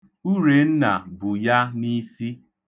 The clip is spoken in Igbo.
Urenna bu ya n'isi.